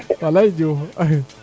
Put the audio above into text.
walay Diouf